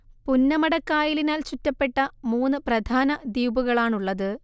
പുന്നമടക്കായലിനാൽ ചുറ്റപ്പെട്ട മൂന്ന് പ്രധാന ദ്വീപുകളാണുള്ളത്